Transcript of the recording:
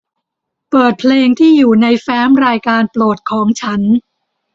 เปิดเพลงที่อยู่ในแฟ้มรายการโปรดของฉัน